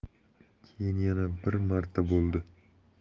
keyin yana bir marta bo'ldi